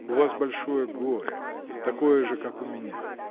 У вас большое горе, такое же, как у меня!